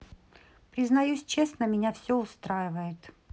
признаюсь честно меня все устраивает